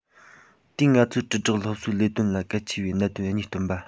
དེས ང ཚོའི དྲིལ བསྒྲགས སློབ གསོའི ལས དོན ལ གལ ཆེ བའི གནད དོན གཉིས བཏོན པ